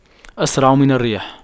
أسرع من الريح